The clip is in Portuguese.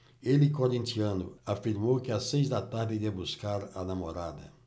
ele corintiano afirmou que às seis da tarde iria buscar a namorada